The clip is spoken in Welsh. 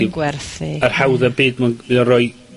...yn gwerthu, ie. Yr hawdda byd ma'n, mae o roi